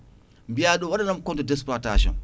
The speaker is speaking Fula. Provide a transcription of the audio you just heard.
mbiya ɗum waɗanam compte d' exploitation